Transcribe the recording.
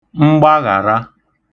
mgbaghàra